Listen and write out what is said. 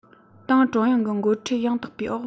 ཏང ཀྲུང དབྱང གི འགོ ཁྲིད ཡང དག པའི འོག